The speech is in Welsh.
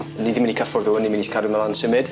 Ni ddim myn' i cffwrdd â nw, ni myn' i cadw mlan symud.